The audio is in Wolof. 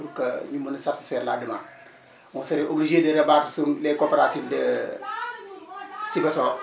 pour que ñu mën a satisfaire la demande on serait obligé de rabattre sur les coopérative de Sibassor